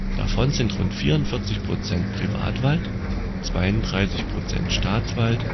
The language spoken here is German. Davon sind rund 44 % Privatwald, 32 % Staatswald